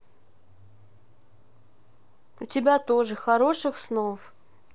у тебя тоже хороших снов